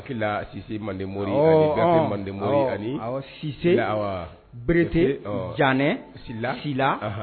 Sisi manderi manden sisi berete janɛ si